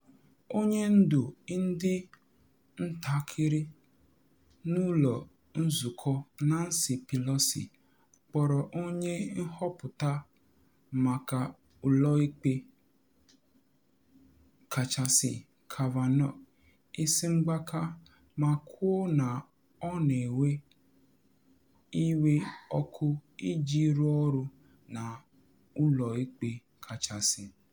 Onye Ndu Ndị Ntakịrị N’ụlọ Nzụkọ Nancy Pelosi kpọrọ onye nhọpụta maka Ụlọ Ikpe Kachasị Kavanaugh “isi mgbaka” ma kwuo na ọ na ewe iwe ọkụ iji rụọ ọrụ na Ụlọ Ikpe Kachasị.